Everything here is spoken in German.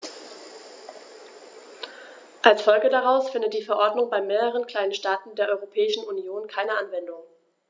Als Folge daraus findet die Verordnung bei mehreren kleinen Staaten der Europäischen Union keine Anwendung.